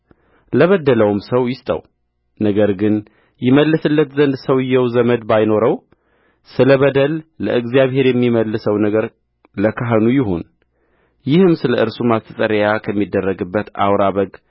ለበደለውም ሰው ይስጠውነገር ግን ይመልስለት ዘንድ ሰውዮው ዘመድ ባይኖረው ስለ በደል ለእግዚአብሔር የሚመልሰው ነገር ለካህኑ ይሁን ይህም ስለ እርሱ ማስተሰረያ ከሚደረግበት አውራ በግ